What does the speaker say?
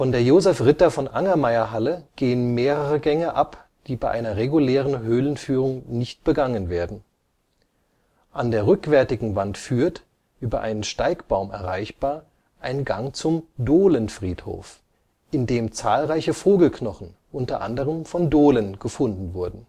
der Josef-Ritter-von-Angermayer-Halle gehen mehrere Gänge ab, die bei einer regulären Höhlenführung nicht begangen werden. An der rückwärtigen Wand führt, über einen Steigbaum erreichbar, ein Gang zum Dohlenfriedhof, in dem zahlreiche Vogelknochen, unter anderem von Dohlen, gefunden wurden